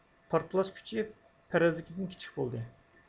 پارتلاش كۈچى پەرەزدىكىدىن كىچىك بولدى